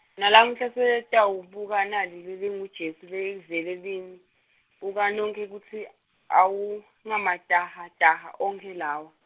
Nalamuhla sitewubuka nali lelinguJesu livele lini, uka nonkhe kutsi, awu ngematahhatahha onkhe lawa.